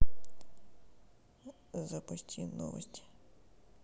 запусти новости